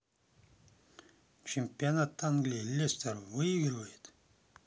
чемпионат англии лестер выигрывает